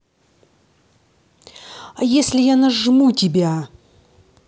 а если я нажму тебя